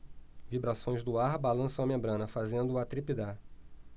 vibrações do ar balançam a membrana fazendo-a trepidar